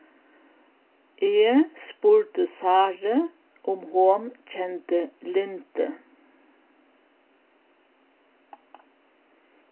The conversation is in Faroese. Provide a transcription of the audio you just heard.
eg spurdi sáru um hon kendi lindu